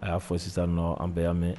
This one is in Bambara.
A y'a fɔ sisan nɔn an bɛ y' mɛn